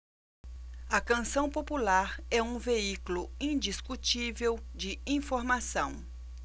a canção popular é um veículo indiscutível de informação